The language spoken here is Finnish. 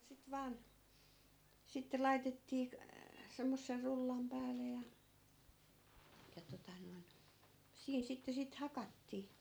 sitten vain sitten laitettiin - semmoisen rullan päälle ja ja tuota noin siinä sitten sitten hakattiin